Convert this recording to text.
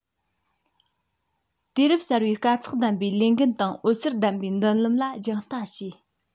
དུས རབས གསར པའི དཀའ ཚེགས ལྡན པའི ལས འགན དང འོད ཟེར ལྡན པའི མདུན ལམ ལ རྒྱང ལྟ བྱས